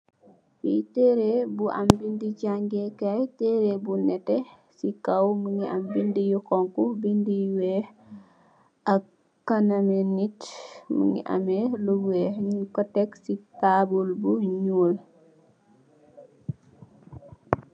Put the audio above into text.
Fi tereeh bu am bind jàngeekaay, tereeh bu nètè. Ci kaw mungi am bindi bu nètè, bindi yu weeh ak kanami nit, mungi ameh lu weeh. Nung ko tekk ci taabul bu ñuul.